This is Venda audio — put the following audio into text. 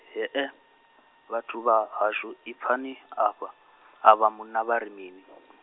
hee vhathu vha hashu i pfani a vha, a vha munna vha ri mini.